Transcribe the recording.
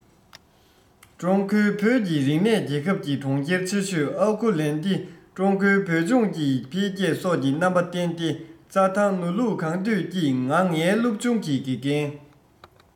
ཀྲུང གོའི བོད ཀྱི རིག གནས རྒྱལ ཁབ ཀྱི གྲོང ཁྱེར ཆེ ཤོས ཨའོ ཁོ ལན ཏི ཀྲུང གོའི བོད ལྗོངས ཀྱི འཕེལ རྒྱས སོགས ཀྱི རྣམ པ བསྟན ཏེ རྩ ཐང ནོར ལུག གང འདོད སྐྱིད ང ངའི སློབ ཆུང གི དགེ རྒན